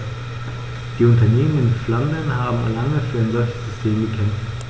Die Unternehmen in Flandern haben lange für ein solches System gekämpft.